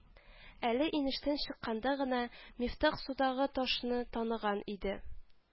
Әле, инештән чыкканда гына, Мифтах судагы дәү ташны таныган иде